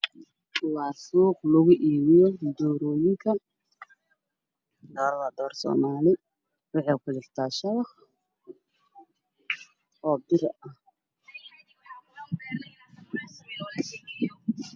Waa suuq lagu iibiyo doorooyinka waxa ay ku jiraan shabaq waxaa kaloo ii muuqda dukaan ka jiingada waa buluug